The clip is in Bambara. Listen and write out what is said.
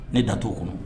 Ne da' o kɔnɔ